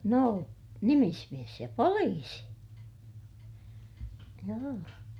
no nimismies ja poliisi joo